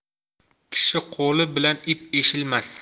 kishi qo'li bilan ip eshilmas